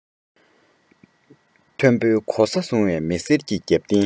མཐོན པོའི གོ ས བཟུང བའི མི སེར གྱི རྒྱབ རྟེན